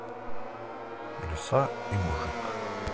лиса и мужик